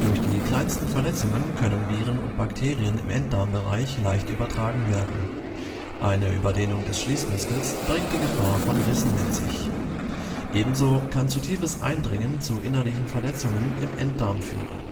Durch die kleinsten Verletzungen können Viren und Bakterien im Enddarmbereich leicht übertragen werden. Eine Überdehnung des Schließmuskels bringt die Gefahr von Rissen mit sich. Ebenso kann zu tiefes Eindringen zu innerlichen Verletzungen im Enddarm führen